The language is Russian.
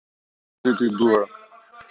ебнутый ты дура